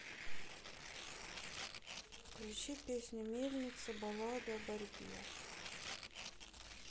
включи песню мельница баллада о борьбе